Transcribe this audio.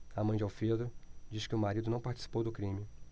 a mãe de alfredo diz que o marido não participou do crime